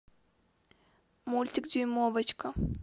мультик дюймовочка